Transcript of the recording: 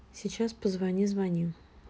сейчас позвони звони